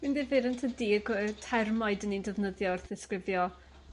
Ma'n ddifyr yntydi? Y go- y termau 'dyn ni'n defnyddio wrth ddisgrifio